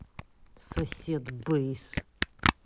сосед бэйс